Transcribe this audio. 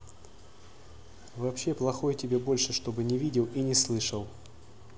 вообще плохой тебе больше чтобы не видел и не слышал